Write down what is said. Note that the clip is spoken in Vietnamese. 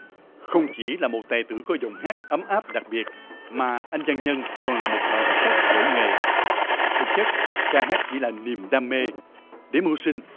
không chỉ là một tài tử có giọng hát ấm áp đặc biệt mà anh văn nhân còn là một thợ hớt tóc giỏi nghề thực chất ca hát chỉ là niềm đam mê để mưu sinh